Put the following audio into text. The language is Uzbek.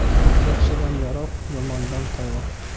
yaxshidan yaroq yomondan tayoq